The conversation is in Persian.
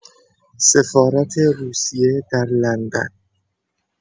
سفارت روسیه در لندن